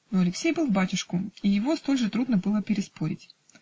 но Алексей был в батюшку, и его столь же трудно было переспорить.